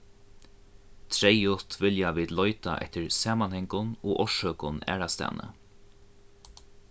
treyðugt vilja vit leita eftir samanhangum og orsøkum aðrastaðni